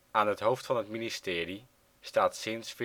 Aan het hoofd van het ministerie staat sinds